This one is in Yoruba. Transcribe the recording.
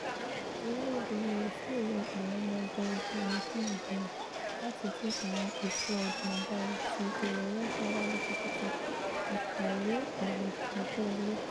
orílẹ̀-èdè US leè lo Àwọn Ọmọ Ogun Ojú-omi fún ''ìdèná'' lati di àwọn ìkó-ọjà agbára ti ilẹ̀ Rọ́síà jadé fún títà - Akọ̀wé Ọ̀rọ̀ Abẹ́lé